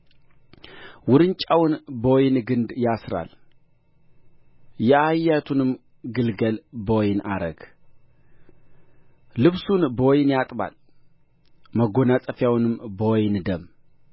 ውርንጫውን በወይን ግንድ ያስራል የአህያይቱንም ግልገል በወይን አረግ ልብሱን በወይን ያጥባል መጎናጸፊያውንም በወይን ደም